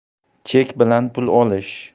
chek bilan pul olish